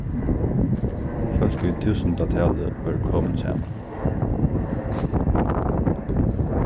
fólk í túsundatali vóru komin saman